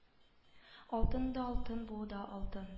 Алтын да алтын бу да алтын